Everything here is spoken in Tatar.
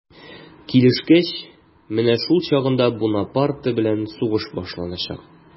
Килешкәч, менә шул чагында Бунапарте белән сугыш башланачак.